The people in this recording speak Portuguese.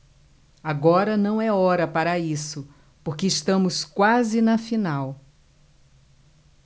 agora não é hora para isso porque estamos quase na final